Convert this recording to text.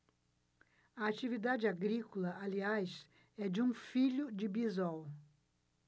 a atividade agrícola aliás é de um filho de bisol